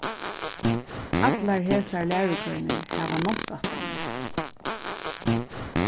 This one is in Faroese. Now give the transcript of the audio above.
allar hesar lærugreinir hava námsætlanir